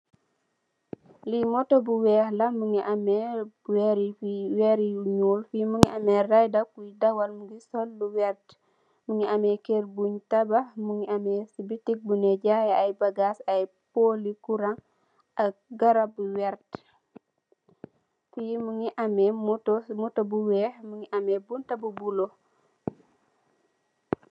Lii motoh bu wekh la mungy ameh wehrre yii fii, wehrre yu njull, fii mungy ameh ridah kui dawal mungy sol lu vert, mungy ameh kerr bungh tabakh, mungy ameh cii boutique bungh neh jaayeh aiiy bagass aiiy poli kurang ak garab yu vertue, fii mungy ameh motoh, motoh bu wekh, mungy ameh bunta bu bleu.